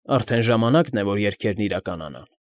Արդեն ժամանակն է, որ երգերն իրականանան։ ֊